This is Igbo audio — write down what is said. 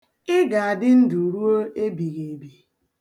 Ị ga-adị ndụ ruo ebighi ebi.